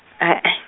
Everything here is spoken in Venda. he e.